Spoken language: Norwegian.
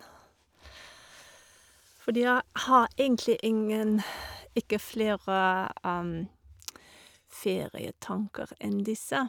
Fordi jeg har egentlig ingen ikke flere ferietanker enn disse.